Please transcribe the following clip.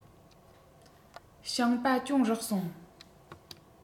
ཞིང པ གྱོང རག སོང